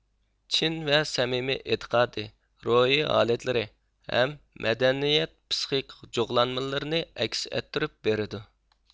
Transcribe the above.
چىن ۋە سەمىمىي ئېتىقادى روھىي ھالەتلىرى ھەم مەدەنىيەت پسىخىك خۇغلانمىلىرىنى ئەكس ئەتتۈرۈپ بېرىدۇ